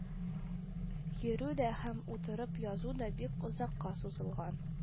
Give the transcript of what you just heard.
Йөрү дә һәм утырып язу да бик озакка сузылган